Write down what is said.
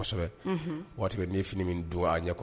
Waati bɛ ne fini min don a ɲɛ